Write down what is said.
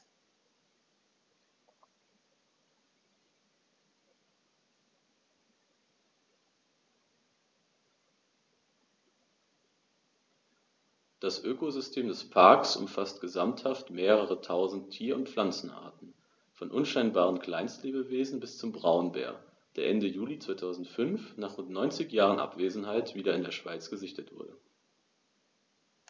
Das Ökosystem des Parks umfasst gesamthaft mehrere tausend Tier- und Pflanzenarten, von unscheinbaren Kleinstlebewesen bis zum Braunbär, der Ende Juli 2005, nach rund 90 Jahren Abwesenheit, wieder in der Schweiz gesichtet wurde.